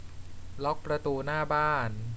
ล็อคประตูหน้าบ้าน